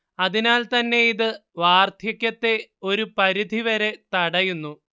അതിനാൽ തന്നെ ഇത് വാർധക്യത്തെ ഒരു പരിധിവരെ തടയുന്നു